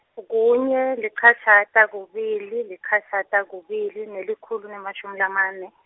kunye lichashata kubili lichashata kubili nelikhulu nemashumi lamane.